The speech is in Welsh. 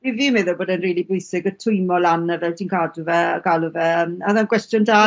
fi fi meddwl bod e'n rili bwysig y twymo lan a fel ti'n cadw fe yy galw fe. Yym yna'n gwestiwn da